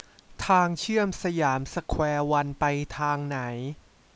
ทางเชื่อมสยามสแควร์วันไปทางไหน